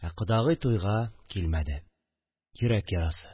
Ә кодагый туйга килмәде, йөрәк ярасы